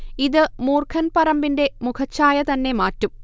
ഇത് മൂർഖൻ പറമ്പിന്റെ മുഖച്ഛായ തന്നെ മാറ്റും